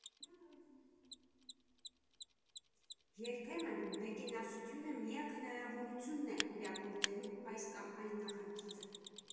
Երբեմն մեկենասությունը միակ հնարավորությունն է իրագործելու այս կամ այն նախագիծը։